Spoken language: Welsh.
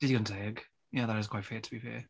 Digon teg. Yeah that is quite fair to be fair.